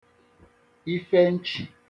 ife nchị̀